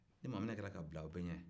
ni maminɛ kɛra ka bila aw bɛɛ ɲɛ